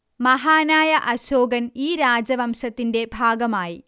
മഹാനായ അശോകന് ഈ രാജവംശത്തിന്റെ ഭാഗമായി